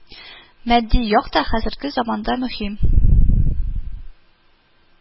Матди як та хәзерге заманда мөһим